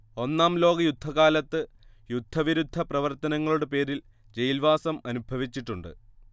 ഒന്നാം ലോകയുദ്ധകാലത്ത് യുദ്ധവിരുദ്ധ പ്രവർത്തനങ്ങളുടെ പേരിൽ ജയിൽവാസം അനുഭവിച്ചിട്ടുണ്ട്